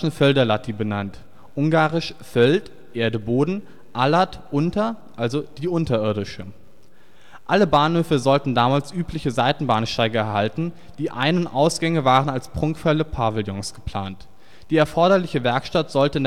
Földalatti benannt (ungarisch föld „ Erde, Boden “, alatt „ unter “; also: „ die Unterirdische “). Alle Bahnhöfe sollten damals übliche Seitenbahnsteige erhalten, die Ein - und Ausgänge waren als prunkvolle Pavillons geplant. Die erforderliche Werkstatt sollte